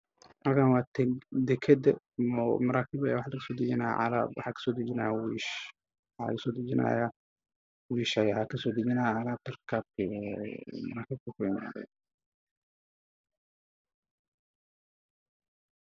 Meeshaan waa deked waxaa joogo markab aada u weyn oo midabkiisu yahay buluug raashin ayuu qaadayaa oo horayaa oo daabulaya guraya